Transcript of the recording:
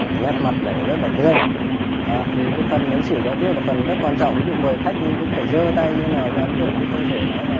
nét mặt nạ rất là vui vẻ ạ thì cái phần ứng xử giao tiếp là phần rất quan trọng ví dụ mời khách nhưng cũng phải giơ tay như nào cho ấn tượng nhưng không thể nói là